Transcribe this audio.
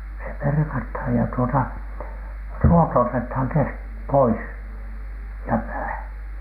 se perataan ja tuota ruoto otetaan - pois ja pää